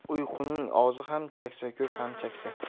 uyquning ozi ham chaksa ko'pi ham chaksa